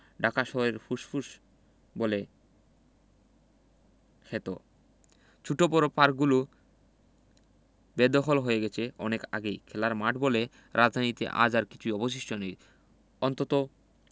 ঢাকা শহরের ফুসফুস বলে খ্যাত ছোট বড় পার্কগুলো বেদখল হয়ে গেছে অনেক আগেই খেলার মাঠ বলে রাজধানীতে আজ আর কিছু অবশিষ্ট নেই অন্তত